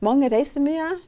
mange reiser mye.